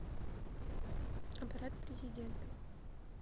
аппарат президента